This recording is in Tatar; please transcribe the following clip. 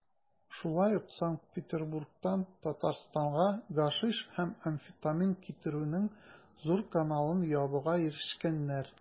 Шулай ук Санкт-Петербургтан Татарстанга гашиш һәм амфетамин китерүнең зур каналын ябуга ирешкәннәр.